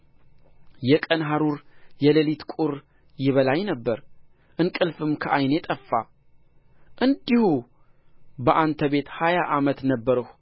የቀን ሐሩር የሌሊት ቍር ይበላኝ ነበር እንቅልፍም ከዓይኔ ጠፋ እንዲሁ በአንተ ቤት ሀያ ዓመት ነበርሁ